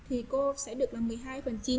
thì cô sẽ được là phần trăm